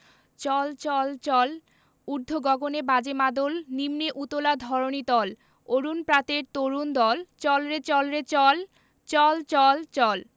চল চল চল ঊর্ধ্ব গগনে বাজে মাদল নিম্নে উতলা ধরণি তল অরুণ প্রাতের তরুণ দল চল রে চল রে চল চল চল চল